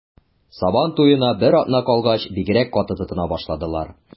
Сабан туена бер атна калгач, бигрәк каты тотына башладылар.